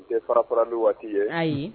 Bi tɛnfara fara don waati ye. Ayi.